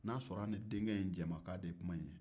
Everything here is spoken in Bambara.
n'a y'a sɔrɔ ani denkɛ in jɛmakan de ye kuma in ye